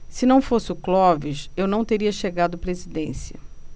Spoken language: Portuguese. se não fosse o clóvis eu não teria chegado à presidência